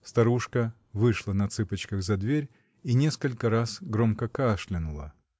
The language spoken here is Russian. Старушка вышла на цыпочках за дверь и несколько раз громко кашлянула.